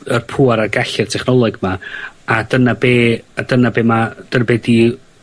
y pŵer a gallu'r technoleg 'ma, a dyna be' a dyna be' ma' dyna be 'di